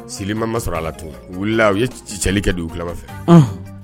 Sigilenlima ma sɔrɔ a la to wulila u ye cɛli kɛ don u tilama fɛ